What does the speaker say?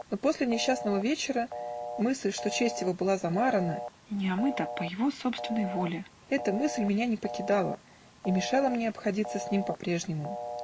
Но после несчастного вечера мысль, что честь его была замарана и не омыта по его собственной вине, эта мысль меня не покидала и мешала мне обходиться с ним по-прежнему